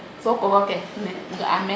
so coco ke ga am meen